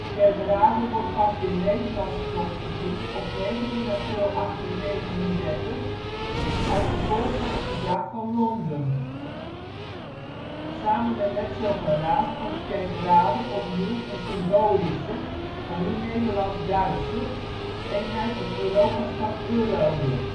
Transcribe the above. Kerkrade wordt pas weer Nederlands grondgebied op 19 april 1839 als gevolg van het Verdrag van Londen. Samen met Herzogenrath vormt Kerkrade opnieuw een symbolische (maar nu Nederlands-Duitse) eenheid als Europastad Eurode